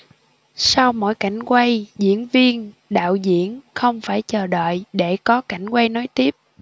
sau mỗi cảnh quay diễn viên đạo diễn không phải chờ đợi để có cảnh quay nối tiếp